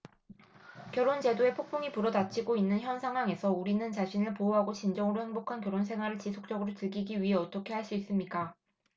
결혼 제도에 폭풍이 불어 닥치고 있는 현 상황에서 우리는 자신을 보호하고 진정으로 행복한 결혼 생활을 지속적으로 즐기기 위해 어떻게 할 수 있습니까